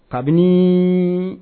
Kabini